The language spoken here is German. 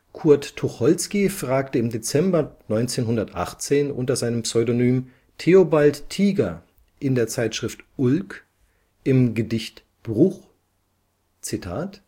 Kurt Tucholsky fragte im Dezember 1918 unter seinem Pseudonym Theobald Tiger in der Zeitschrift Ulk im Gedicht Bruch: „ Was